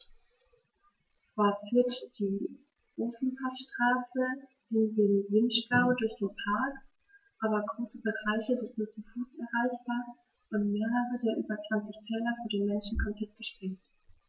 Zwar führt die Ofenpassstraße in den Vinschgau durch den Park, aber große Bereiche sind nur zu Fuß erreichbar und mehrere der über 20 Täler für den Menschen komplett gesperrt.